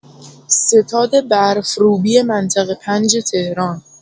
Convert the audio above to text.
ستاد برف‌روبی منطقه ۵ تهران